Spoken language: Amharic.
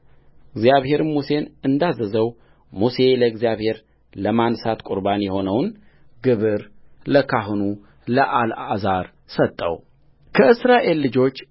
እግዚአብሔርም ሙሴን እንዳዘዘው ሙሴ ለእግዚአብሔር ለማንሣት ቍርባን የሆነውን ግብር ለካህኑ ለአልዓዛር ሰጠውከእስራኤል ልጆች